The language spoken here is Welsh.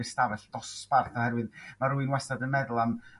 ystafell dosbarth oherwydd ma' rwy'n wastad yn meddwl am